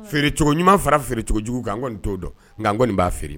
Feere cogo ɲumanuma fara feere cogo jugu kan ko nin to dɔn nka kɔni nin b'a feere